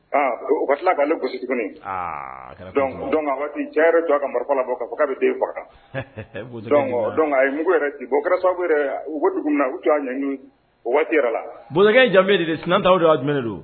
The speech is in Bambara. Ka tila k'ale gosisi tuguni aa waati yɛrɛ don ka marifa la fɔ k' bɛ den faga a ye mugu yɛrɛ bɔn kɛra sababu na ɲɛ o waati yɛrɛ la bonya jamube de tta don a jumɛn don